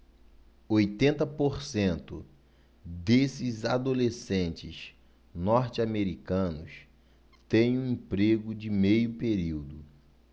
oitenta por cento desses adolescentes norte-americanos têm um emprego de meio período